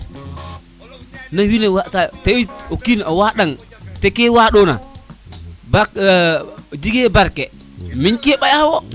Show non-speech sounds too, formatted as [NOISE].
[MUSIC] ne wine waa tayo te yit o kiin o waɗan to ke waɗona ba [HESITATION] jege barke miñ ke xa ɓaya xe wo